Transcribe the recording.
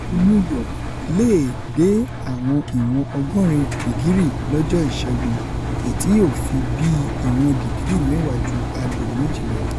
Ìlú New York leè dé àwọ̀n ìwọ̀n ọgọ́rin dìgírì lọ́jọ́ Ìṣẹ́gun, èyítí yóò fi bíi ìwọ̀n dìgírì mẹ́wàá ju agbedeméjì lọ.